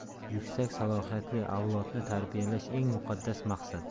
yuksak salohiyatli avlodni tarbiyalash eng muqaddas maqsad